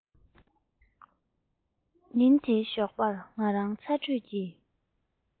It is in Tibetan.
ཉིན དེའི ཞོགས པར ང རང ཚ དྲོད ཀྱིས